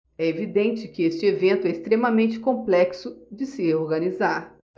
é evidente que este evento é extremamente complexo de se organizar